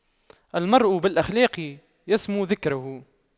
المرء بالأخلاق يسمو ذكره